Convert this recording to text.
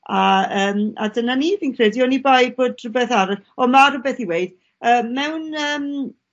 A yym a dyna ni fi'n credu oni bai bod rhwbeth arall... O ma' rhwbeth i weud. Yy mewn yym